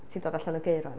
Ti'n dod allan o Gaerwen.